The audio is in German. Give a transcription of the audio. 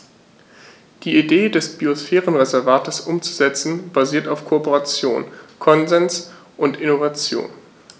Die Idee des Biosphärenreservates umzusetzen, basiert auf Kooperation, Konsens und Innovation.